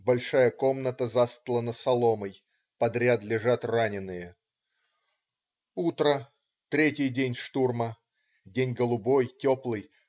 Большая комната застлана соломой. Подряд лежат раненые. Утро. Третий день штурма. День голубой, теплый.